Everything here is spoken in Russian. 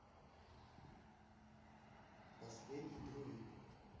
последний друид